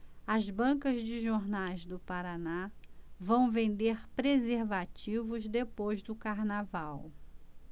as bancas de jornais do paraná vão vender preservativos depois do carnaval